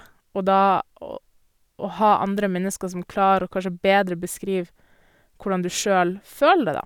Og da å å ha andre mennesker som klarer å kanskje bedre beskrive hvordan du sjøl føler det, da.